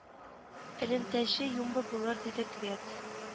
Элемтәче юмба булыр диде квет